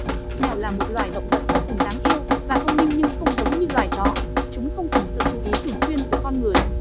mèo là một loài động vật vô cùng đáng yêu và thông minh nhưng không giống như loài chó chúng không cần sự chú ý thường xuyên của con người